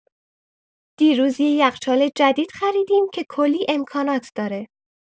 دیروز یه یخچال جدید خریدیم که کلی امکانات داره.